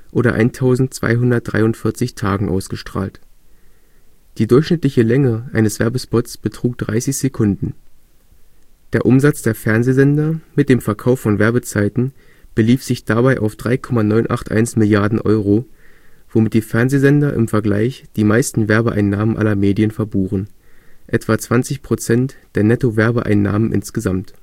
oder 1.243 Tagen ausgestrahlt. Die durchschnittliche Länge eines Werbespots betrug 30 Sekunden. Der Umsatz der Fernsehsender mit dem Verkauf von Werbezeiten belief sich dabei auf 3,981 Milliarden Euro, womit die Fernsehsender im Vergleich die meisten Werbeeinnahmen aller Medien verbuchen, etwa 20 % der Nettowerbeeinnahmen insgesamt